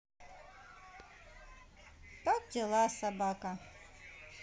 как дела собака